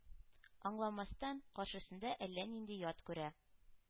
Аңламастан, каршысында әллә нинди «ят» күрә.